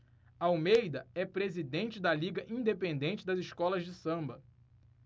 almeida é presidente da liga independente das escolas de samba